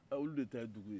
ha olu de ye dugu ye